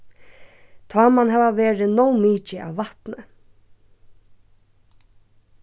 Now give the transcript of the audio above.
tá man hava verið nóg mikið av vatni